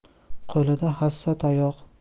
qo'lida hassa tayoq